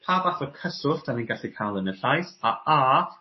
Pa fath o cyswllt 'dan ni'n gallu ca'l yn y llais a a